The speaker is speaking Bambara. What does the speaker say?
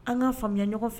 An ka faamuya ɲɔgɔn fɛ